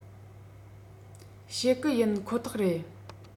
བྱེད གི ཡིན ཁོ ཐག རེད